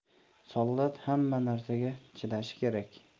soldat hamma narsaga chidashi kerak